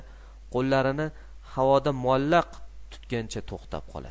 qo'llarini havoda muallaq tutgancha to'xtab qoladi